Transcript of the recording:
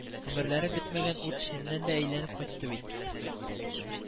Гомерләре бетмәгән ут эченнән дә әйләнеп кайтты бит